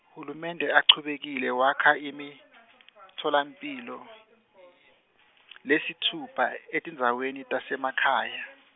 hulumende uchubekile wakha imitfolamphilo, lesitfupha etindzaweni tasemakhaya.